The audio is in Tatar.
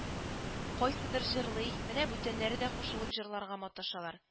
Кайсыдыр җырлый, менә бүтәннәре дә кушылып җырларга маташалар